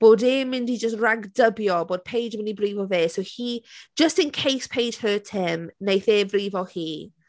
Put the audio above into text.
bod e'n mynd i jyst ragdybio bod Paige yn mynd i brifo fe, so he, just in case Paige hurts him, wneith e frifo hi.